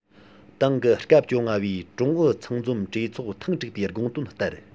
ཏང གི སྐབས བཅོ ལྔ པའི ཀྲུང ཨུ ཚང འཛོམས གྲོས ཚོགས ཐེངས དྲུག པའི དགོངས དོན ལྟར